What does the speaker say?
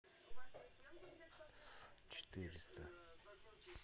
с четыреста